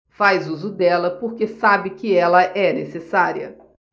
faz uso dela porque sabe que ela é necessária